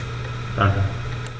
Danke.